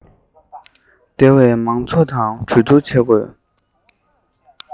སྡེ བའི མང ཚོགས དང གྲོས བསྡུར བྱ དགོས